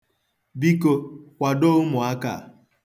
Biko, kwado ụmụaka a.